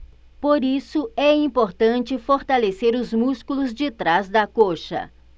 por isso é importante fortalecer os músculos de trás da coxa